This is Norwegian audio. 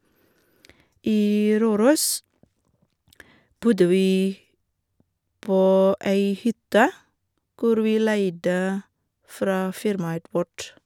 I Røros bodde vi på ei hytte, hvor vi leide fra firmaet vårt.